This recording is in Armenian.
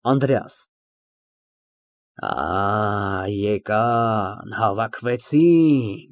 ԱՆԴՐԵԱՍ ֊ Ա, եկան, հավաքվեցին։